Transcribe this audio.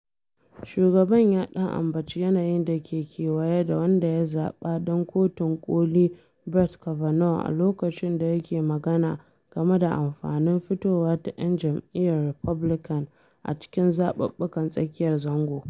Shugaban ya ɗan ambaci yanayin da ke kewaye da wanda ya zaɓa don Kotun Koli Brett Kavanaugh a lokacin da yake magana game da amfanin fitowa ta ‘yan jam’iyyar Republican a cikin zaɓuɓɓukan tsakiyar zango.